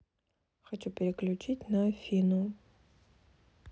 хочу переключить на афину